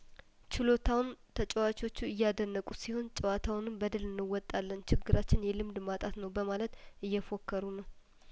ችሎታውን ተጨዋቾቹ እያደነ ቁት ሲሆን ጨዋታውንም በድል እንወጣለን ችግራችን የልምድ ማጣት ነው በማለት እየፎከሩ ነው